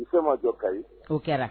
U sen ma jɔ kayi o kɛra